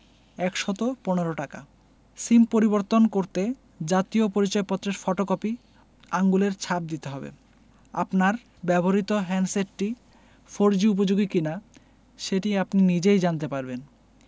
১১৫ টাকা সিম পরিবর্তন করতে জাতীয় পরিচয়পত্রের ফটোকপি আঙুলের ছাপ দিতে হবে আপনার ব্যবহৃত হ্যান্ডসেটটি ফোরজি উপযোগী কিনা সেটি আপনি নিজেই জানতে পারবেন